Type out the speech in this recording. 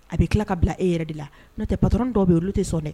A b'i tila ka bila e yɛrɛ de la n'o tɛ pator dɔw bɛ yen olu tɛ sɔn dɛɛ